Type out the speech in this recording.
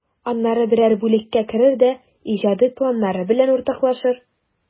Аннары берәр бүлеккә керер дә иҗади планнары белән уртаклашыр.